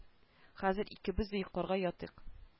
Хәзер икебез дә йокларга ятыйк